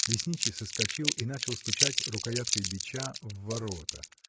Лесничий соскочил и начал стучать рукояткой бича в ворота.